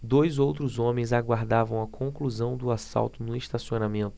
dois outros homens aguardavam a conclusão do assalto no estacionamento